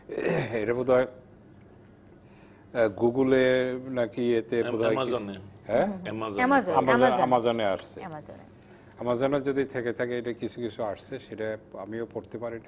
এটা বোধহয় গুগোল এ নাকি ইয়ে তে কোথায় কি অ্যামাজনে অ্যামাজন অ্যামাজন অ্যামাজনে আসছে অ্যামাজনে যদি থেকে থাকে এটা কিছু কিছু আসছে সেটা আমিও পড়তে পারি নাই